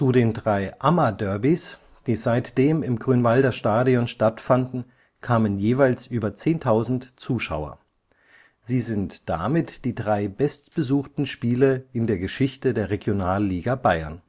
den drei Amaderbys, die seitdem im Grünwalder Stadion stattfanden, kamen jeweils über 10.000 Zuschauer. Sie sind damit die drei bestbesuchten Spiele in der Geschichte der Regionalliga Bayern